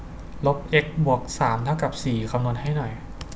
ลบเอ็กซ์บวกสามเท่ากับสี่คำนวณให้หน่อย